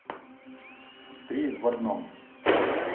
три в одном